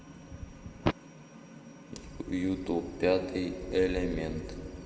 ютуб пятый элемент